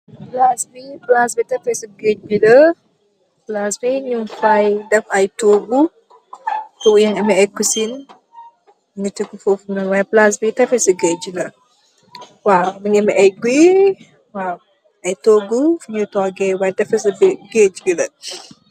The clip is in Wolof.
Palac bi palaci tefes si gaage bi la nyun fay def ay togu togu yagi am ay kosen nga tog fofu nonu y palac bi tefessu gaage la waw mogi ameh ay gooi waw ay togu fo nyoi togeh y tefessu gaage la.